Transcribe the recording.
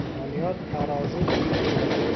doniyor tarozi ustidagi